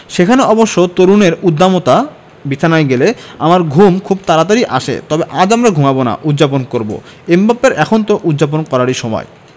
সেখানে অবশ্য তরুণের উদ্দামতা বিছানায় গেলে আমার ঘুম খুব তাড়াতাড়িই আসে তবে আজ আমরা ঘুমাব না উদ্ যাপন করব এমবাপ্পের এখন তো উদ্ যাপন করারই সময়